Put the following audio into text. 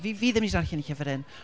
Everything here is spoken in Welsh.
Fi- fi ddim 'di darllen y llyfr hyn...